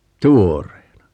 tuoreena